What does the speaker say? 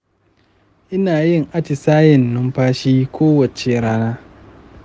ina yin atisayen numfashi kowacce safiya.